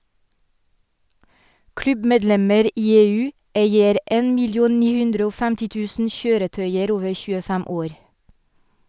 Klubbmedlemmer i EU eier 1 950 000 kjøretøyer over 25 år.